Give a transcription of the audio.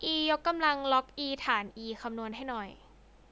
อียกกำลังล็อกอีฐานอีคำนวณให้หน่อย